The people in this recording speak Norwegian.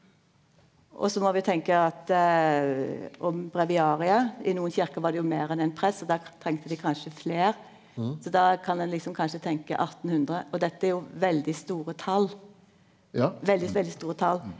og så må vi tenkte at om breviariet i nokon kyrkjer var det jo meir enn éin prest så der trengte dei kanskje fleir så då kan ein liksom kanskje tenke 1800 og dette er jo veldig store tal veldig veldig store tal.